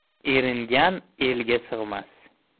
eringan elga sig'mas